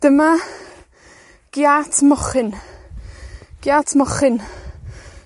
Dyma giat mochyn, giat mochyn,